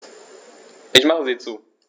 Ich mache sie zu.